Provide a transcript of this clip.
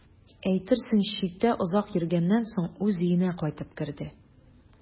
Әйтерсең, читтә озак йөргәннән соң үз өенә кайтып керде.